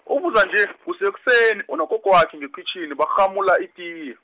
ubuza nje, kukuseni, unogogwakhe ngekhwitjhini, barhamula itiye.